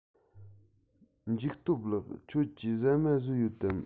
འཇིགས སྟོབས ལགས ཁྱོད ཀྱིས ཟ མ ཟོས ཡོད དམ